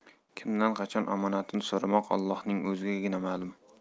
kimdan qachon omonatini so'ramoq ollohning o'zigagina ma'lum